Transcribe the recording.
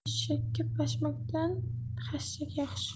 eshakka pashmakdan xashak yaxshi